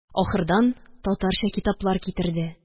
Ахырдан татарча китаплар китерде.